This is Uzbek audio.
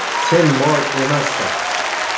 sen mol emassan